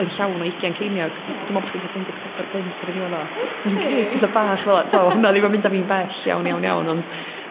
oedd llawn o ugian ceiniog dwi'n me'l bo' chdi'n ca'l tua un deg pedwar punt ar i ddiwedd o... petha bach fela t'od odd hwna ddim am fynd a fi'n bell iawn iawn iawn ond